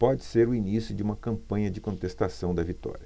pode ser o início de uma campanha de contestação da vitória